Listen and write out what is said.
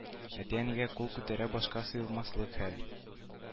Әти-әнигә кул күтәрү башка сыймаслык хәл